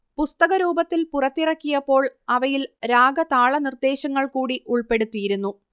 പുസ്തകരൂപത്തിൽ പുറത്തിറക്കിയപ്പോൾ അവയിൽ രാഗതാള നിർദ്ദേശങ്ങൾ കൂടി ഉൾപ്പെടുത്തിയിരുന്നു